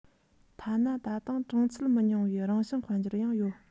ཐ ན ད དུང གྲངས ཚད མི ཉུང བའི རང བྱུང དཔལ འབྱོར ཡང ཡོད